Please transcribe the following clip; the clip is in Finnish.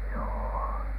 joo